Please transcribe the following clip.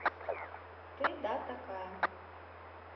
ты да такая